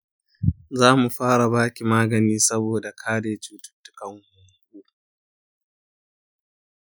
zamu fara baki magani saboda kare cututtukan hunhu.